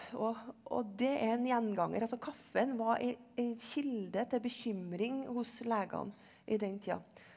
og og det er en gjenganger altså kaffen var ei ei kilde til bekymring hos legene i den tida.